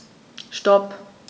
Stop.